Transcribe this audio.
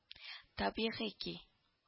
Табигый ки